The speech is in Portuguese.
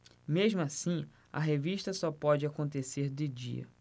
mesmo assim a revista só pode acontecer de dia